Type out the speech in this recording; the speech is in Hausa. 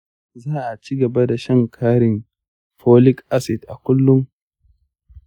za a ci gaba da shan ƙarin folic acid a kullum.